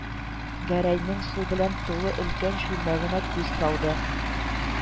Гәрәйнең су белән тулы өлкән чүлмәгенә күз салды